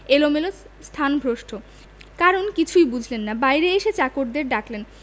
এলোমেলো স্থানভ্রষ্ট কারণ কিছুই বুঝলেন না বাইরে এসে চাকরদের ডাকলেন